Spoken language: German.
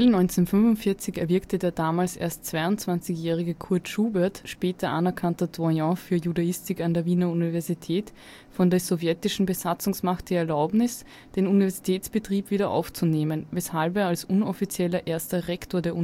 1945 erwirkte der damals erst 22-jährige Kurt Schubert, später anerkannter Doyen für Judaistik an der Wiener Universität, von der sowjetischen Besatzungsmacht die Erlaubnis, den Universitätsbetrieb wieder aufzunehmen, weshalb er als inoffizieller erster „ Rektor “der